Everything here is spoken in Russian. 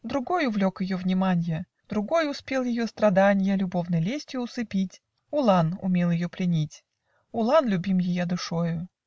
Другой увлек ее вниманье, Другой успел ее страданье Любовной лестью усыпить, Улан умел ее пленить, Улан любим ее душою.